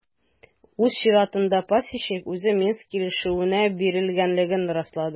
Үз чиратында Пасечник үзе Минск килешүенә бирелгәнлеген раслады.